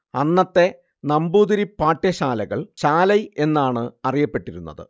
അന്നത്തെ നമ്പൂതിരി പാഠ്യശാലകൾ ശാലൈ എന്നാണ് അറിയപ്പെട്ടിരുന്നത്